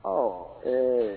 Ɔ ee